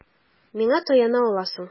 Миңа таяна аласың.